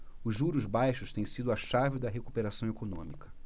os juros baixos têm sido a chave da recuperação econômica